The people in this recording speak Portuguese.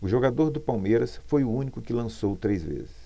o jogador do palmeiras foi o único que lançou três vezes